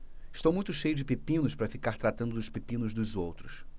estou muito cheio de pepinos para ficar tratando dos pepinos dos outros